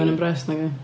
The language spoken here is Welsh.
Yn impressed nac oedd.